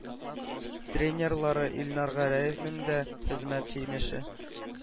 Тренерлары илнар гәрәевнең дә хезмәт җимеше.